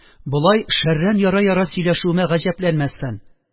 Болай шәрран-яра сөйләшүемә гаҗәпләнмә, Әсфан.